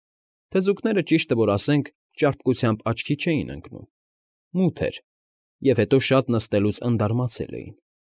Թզուկները, ճիշտը որ ասենք, ճարպկությամբ աչքի չէին ընկնում. մութ էր և հետո շատ նստելուց ընդարմացել էին։